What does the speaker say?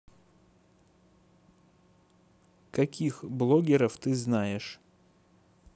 каких блогеров ты знаешь